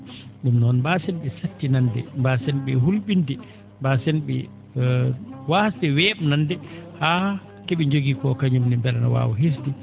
?um noon mbaasen ?e sattinande mbaasen ?e hul?inde mbaasen?e waasde wee?nande haa ko ?e jogii ko kañum ne mbela ne waawa hiisde